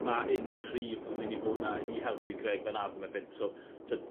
ma' enw cryf yn myn' i fo' 'na i helpu Greg van Avermaet so t'wod